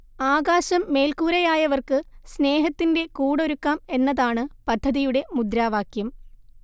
ആകാശം മേൽക്കൂരയായവർക്ക് സ്നേഹത്തിന്റെ കൂടൊരുക്കാം എന്നതാണ് പദ്ധതിയുടെ മുദ്രാവാക്യം